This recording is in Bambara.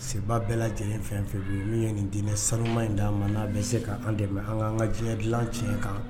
Seba bɛɛ lajɛlen fɛn fɛn nu ye nin diinɛ sanuma in dan ma nan bi se kaan dɛmɛ an kan ka diɲɛ gilan tiɲɛ kan.